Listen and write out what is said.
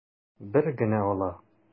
Бер генә ала.